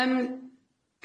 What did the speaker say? Yym,